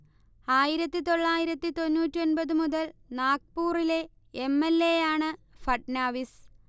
ആയിരത്തി തൊള്ളായിരത്തി തൊണ്ണൂറ്റി ഒൻപതു മുതൽ നാഗ്പൂറിലെ എം. എൽ. എ. ആണ് ഫട്നാവിസ്